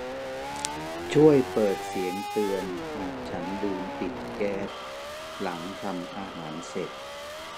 ช่วยเปิดเสียงเตือนหากฉันลืมปิดแก๊สหลังทำอาหารเสร็จ